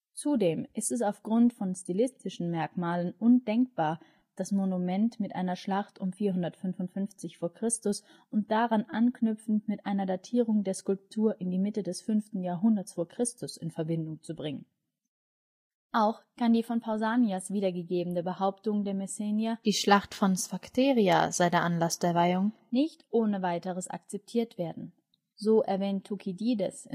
Zudem ist es aufgrund von stilistischen Merkmalen undenkbar, das Monument mit einer Schlacht um 455 v. Chr. und daran anknüpfend mit einer Datierung der Skulptur in die Mitte des 5. Jh. v. Chr. in Verbindung zu bringen. Auch kann die von Pausanias wiedergegebene Behauptung der Messenier, die Schlacht von Sphakteria sei Anlass der Weihung, nicht ohne weiteres akzeptiert werden. So erwähnt Thukydides